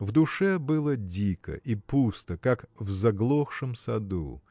В душе было дико и пусто, как в заглохшем саду.